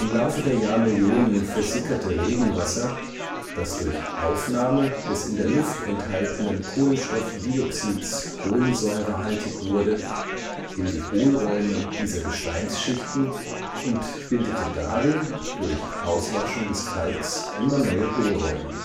Laufe der Jahrmillionen versickerte Regenwasser, das durch Aufnahme des in der Luft enthaltenen Kohlenstoffdioxids kohlensäurehaltig wurde, in die Hohlräume dieser Gesteinsschichten und bildete darin durch Auswaschung des Kalks immer neue Hohlräume